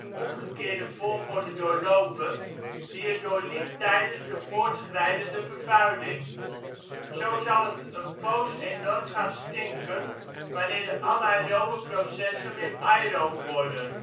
omgekeerde volgorde doorlopen die het doorliep tijdens de voortschrijdende vervuiling. Zo zal het een poos enorm gaan stinken wanneer de anaerobe processen weer aeroob worden